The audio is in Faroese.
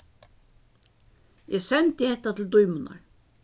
eg sendi hetta til dímunar